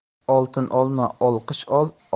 oltin olma olqish